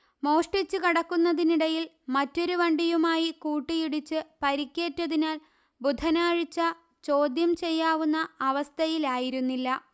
മോഷ്ടിച്ച കടക്കുന്നതിനിടയിൽ മറ്റൊരു വണ്ടിയുമായി കൂട്ടിയിടിച്ച് പരിക്കേറ്റതിനാൽ ബുധനാഴ്ച ചോദ്യം ചെയ്യാവുന്ന അവസ്ഥയിലായിരുന്നില്ല